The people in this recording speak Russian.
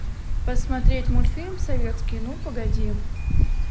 посмотреть мультфильм советский ну погоди